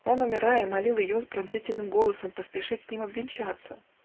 Он, умирая, молил ее пронзительным голосом поспешить с ним обвенчаться.